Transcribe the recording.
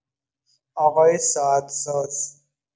آقای ساعت‌ساز